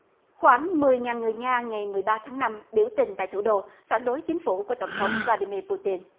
khoảng mười ngàn người nga ngày mười ba tháng năm biểu tình tại thủ đô phản đối chính phủ của tổng thống vờ la đi mia pu tin